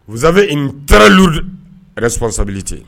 Sa in taarali sɔsabili tɛ yen